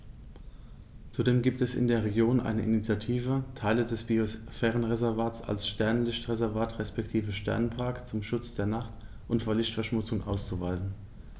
Zudem gibt es in der Region eine Initiative, Teile des Biosphärenreservats als Sternenlicht-Reservat respektive Sternenpark zum Schutz der Nacht und vor Lichtverschmutzung auszuweisen.